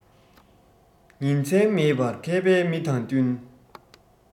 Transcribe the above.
ཉིན མཚན མེད པར མཁས པའི མི དང བསྟུན